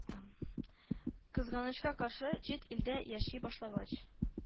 Кызганычка каршы, чит илдә яши башлагач